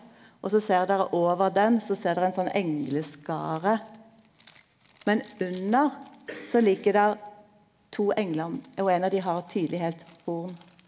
også ser dokker over den så ser dokker ein sånn engleskare, men under så ligg der to englar og ein av dei har tydeleg eit horn.